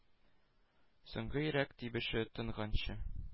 Соңгы йөрәк тибеше тынганчы